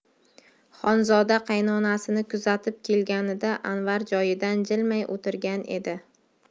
xonzoda qaynonasini kuzatib kelganida anvar joyidan jilmay o'tirgan edi